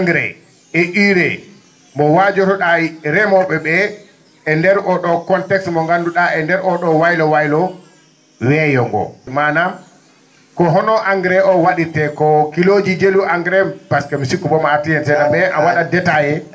engrais et UREE mo mbaajoto?a remoo?e ?ee e ndeer oo ?oo contexte mo nganndu?aa e ndeer oo ?oo waylo waylo weeyo ngo maname ko hono engrais o wa?irte ko kilooji jelu engrais pasque mi sikku bom a artii e thème a wa?at détaillé